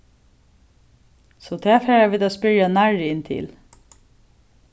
so tað fara vit at spyrja nærri inn til